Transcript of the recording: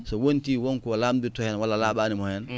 so wontii won ko o lamdittoo heen walla laaɓaani mbo heen